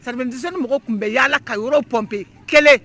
Service d'hygiène mɔgɔ tun bɛ yalala ka yɔrɔ pomper kelen